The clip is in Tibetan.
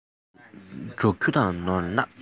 ད དུང འབྲོང ཁྱུ དང ནོར གནག